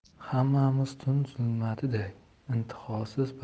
hammamiz tun zulmatiday intihosiz